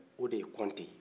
o de ye kɔnte ye